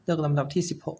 เลือกลำดับที่สิบหก